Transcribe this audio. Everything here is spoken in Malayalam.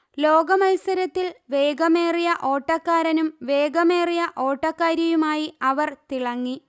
ലോക മത്സരത്തിൽ വേഗമേറിയ ഓട്ടക്കാരനും വേഗമേറിയ ഓട്ടക്കാരിയുമായി അവർ തിളങ്ങി